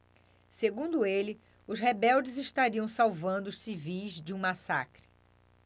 segundo ele os rebeldes estariam salvando os civis de um massacre